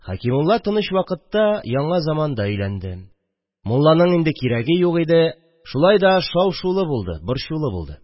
Хәкимулла тыныч вакытта, яңа заманда өйләнде, мулланың инде кирәге юк иде, шулай да шау-шулы булды, борчулы булды